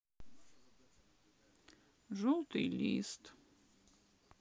желтый лист